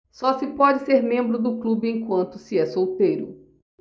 só se pode ser membro do clube enquanto se é solteiro